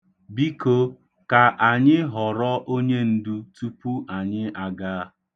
Biko, ka anyị họrọ onyendu tupu anyị agaa.